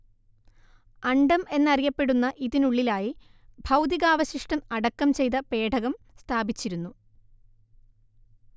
അണ്ഡം എന്നറിയപ്പെടുന്ന ഇതിനുള്ളിലായി ഭൗതികാവശിഷ്ടം അടക്കം ചെയ്ത പേടകം സ്ഥാപിച്ചിരുന്നു